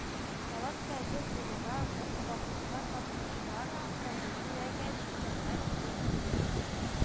Палатка әзер булуга, бу “Бахуска табынучылар” “кондициягә” җиткәннәр иде инде